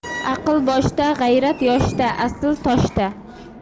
aql boshda g'ayrat yoshda asl toshda